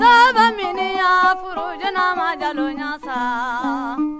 sabaminiyan furu joona ma jalonya sa